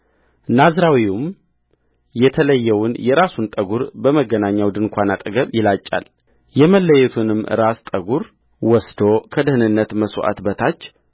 ናዝራዊውም የተለየውን የራሱን ጠጕር በመገናኛው ድንኳን አጠገብ ይላጫል የመለየቱንም ራስ ጠጕር ወስዶ ከደኅንነት መሥዋዕት በታች